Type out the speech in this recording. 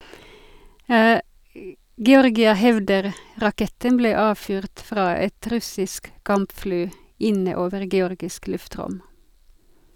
Georgia hevder raketten ble avfyrt fra et russisk kampfly inne over georgisk luftrom.